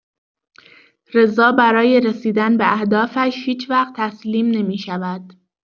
رضا برای رسیدن به اهدافش هیچ‌وقت تسلیم نمی‌شود.